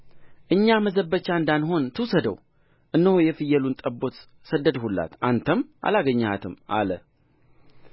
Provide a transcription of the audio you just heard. እኛ መዘበቻ እንዳንሆን ትውሰደው እነሆ የፍየሉን ጠቦት ሰደድሁላት አንተም አላገኘሃትም አለ